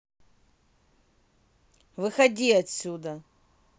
выходи отсюда